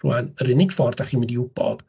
Rŵan yr unig ffordd da chi'n mynd i wybod...